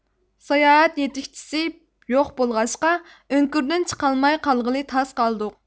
ساياھەت يېتىكچىسى يوق بولغاچقا ئۆڭكۈردىن چىقالماي قالغىلى تاس قالدۇق